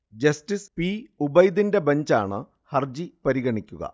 Justice P. ഉബൈദിന്റെ ബഞ്ചാണ് ഹർജി പരിഗണിക്കുക